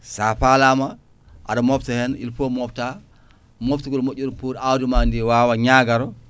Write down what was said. sa falama aɗa mofta hen il faut mofta moftugol moƴƴol pour awdi ma ndi wawa ñagaro